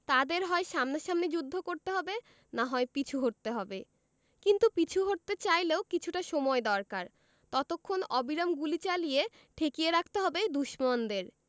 তাঁদের হয় সামনাসামনি যুদ্ধ করতে হবে না হয় পিছু হটতে হবে কিন্তু পিছু হটতে চাইলেও কিছুটা সময় দরকার ততক্ষণ অবিরাম গুলি চালিয়ে ঠেকিয়ে রাখতে হবে দুশমনদের